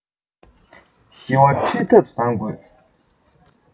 བཞི བ ཁྲིད ཐབས བཟང དགོས